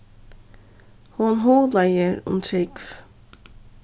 hon hugleiðir um trúgv